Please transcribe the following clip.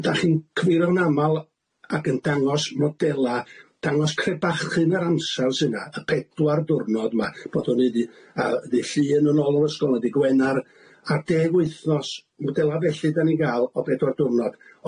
Dach chi'n cyfeirio'n amal ac yn dangos modela' dangos crebachu'n yr amsar sy 'na y pedwar diwrnod 'ma bod o'n i di- yy ydi llun yn ôl yr ysgol ydi Gwener ar deg wythnos modela' felly dan ni'n ga'l o bedwar diwrnod.